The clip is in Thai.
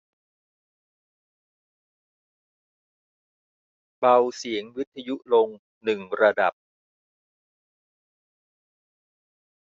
เบาเสียงวิทยุลงหนึ่งระดับ